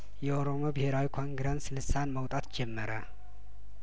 የኦሮሞ ብሄራዊ ኮንግረንስ ልሳን መውጣት ጀመረ